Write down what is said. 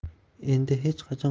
endi hech qachon